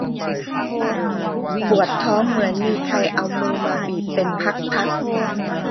ปวดท้องเหมือนมีใครเอามือมาบีบเป็นพักพัก